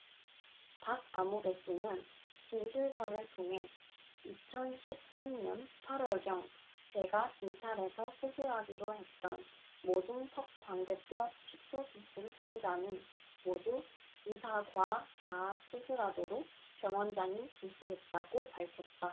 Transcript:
박아무개씨는 진술서를 통해 이천 십 삼 년 팔 월경 제가 진찰해서 수술하기로 했던 모든 턱광대뼈축소수술 환자는 모두 의사 과 가 수술하도록 병원장이 지시했다고 밝혔다